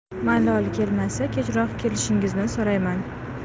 malol kelmasa kechroq kelishingizni so'rayman